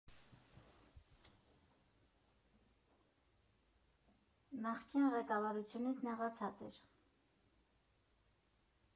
«Նախկին ղեկավարությունից նեղացած էր։